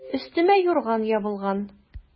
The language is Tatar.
Өстемә юрган ябылган.